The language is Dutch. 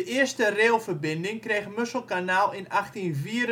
eerste railverbinding kreeg Musselkanaal in 1894